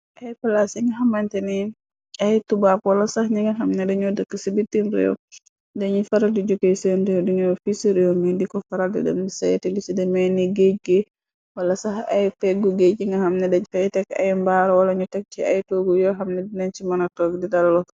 Ay plaase yi nga xamanteni ay toubab wala sax ñi nga xamne denu dëkk ci bitim réew dañuy faral de jogey sen reew de nyaw fici réew mi di ko faral di dem satee lu demee ni géej gi wala sax ay peggu géej yi nga xamni dañ fay tekk ay mbaar wala ñu teg ci ay toogu yogaxamteni dinañ ci mona tonke di dallu.